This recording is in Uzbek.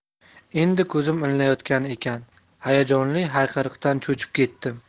endi ko'zim ilinayotgan ekan hayajonli hayqiriqdan cho'chib ketdim